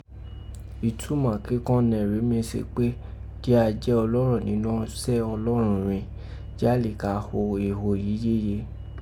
ìtúmà kíkọn nẹẹ̀ rèé si pe jí a jẹ́ olọrọ ninọ́ usẹ oluwa rin ji a lè ka ho èho èyí yéye,